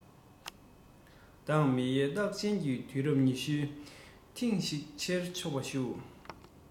བདག མེལ ཡའི རྟགས ཅན གྱི དུས རབས ཉི ཤུའི ཐེངས ཤིག བྱེད ཆོག པར ཞུ